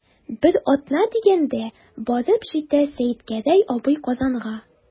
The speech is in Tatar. Бер атна дигәндә барып җитә Сәетгәрәй абый Казанга.